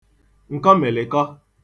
ǹkọmị̀lị̀kọ